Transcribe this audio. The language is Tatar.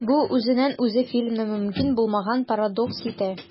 Бу үзеннән-үзе фильмны мөмкин булмаган парадокс итә.